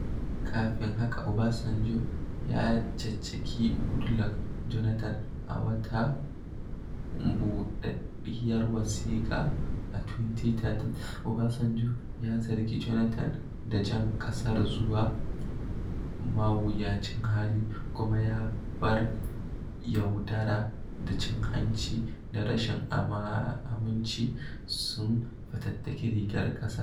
Kafin haka, Obasanjo ya caccaki Goodluck Jonathan a wata buɗaɗɗiyar wasiƙa a 2013, Obasanjo ya zargi Jonathan da jan ƙasar zuwa mawuyacin hali kuma ya bar yaudara da cin hanci da rashin aminci sun fatattaka rigar ƙasar.